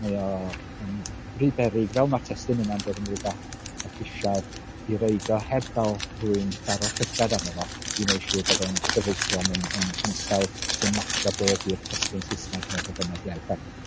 Mae o yn rhy beryg fel ma'r testun yna'n dod yn rywbeth official i roid o heb gael rywun daro llygad arno fo i wneud siŵr bod o'n gyfreithlon yn yn yn ansawdd sy'n matsio be ydy'r testun Saesneg neu pa bynnag iaith arall.